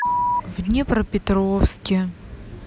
в днепропетровске